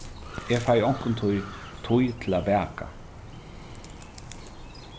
eg fái onkuntíð tíð til at baka